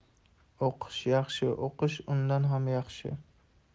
o'qish yaxshi uqish undan ham yaxshi